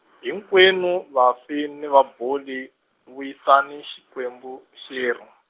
hinkwenu vafi ni vaboli, vuyisani xikwembu, xerhu.